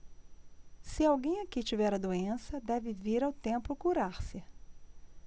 se alguém aqui tiver a doença deve vir ao templo curar-se